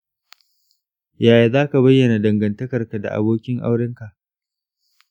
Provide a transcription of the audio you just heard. yaya za ka bayyana dangantakarka da abokin aurenka?